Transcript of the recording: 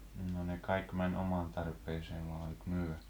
niin no ne kaikki meni omaan tarpeeseen vai oliko myydä